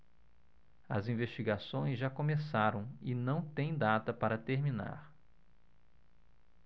as investigações já começaram e não têm data para terminar